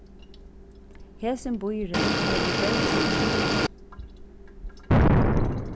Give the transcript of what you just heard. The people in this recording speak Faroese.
hesin býurin hevur bergtikið meg